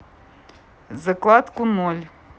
закладку ноль